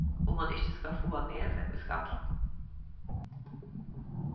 um mann ikki skal fáa nevið í skallan